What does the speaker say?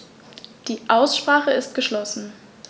Die Aussprache ist geschlossen.